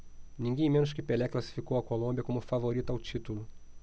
ninguém menos que pelé classificou a colômbia como favorita ao título